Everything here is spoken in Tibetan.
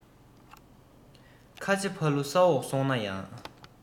ཁ ཆེ ཕ ལུ ས འོག སོང ན ཡང